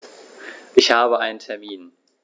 Ich habe einen Termin.